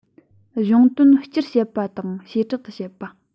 གཞུང དོན སྤྱིར བཤད པ དང བྱེ བྲག ཏུ བཤད པ